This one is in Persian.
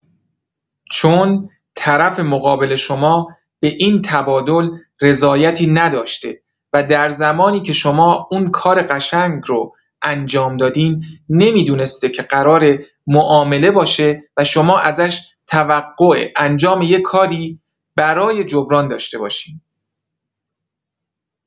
چون طرف مقابل شما به این تبادل رضایتی نداشته و در زمانی که شما اون کار قشنگ رو انجام دادین نمی‌دونسته که قراره معامله باشه و شما ازش توقع انجام یه کاری برای جبران داشته باشین.